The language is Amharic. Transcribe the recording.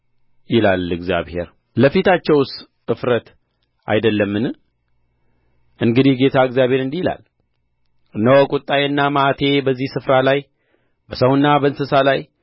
ይላል እግዚአብሔር ለፊታቸውስ እፍረት አይደለምን እንግዲህም ጌታ እግዚአብሔር እንዲህ ይላል እነሆ ቍጣዬና መዓቴ በዚህ ስፍራ ላይ በሰውና በእንስሳ ላይ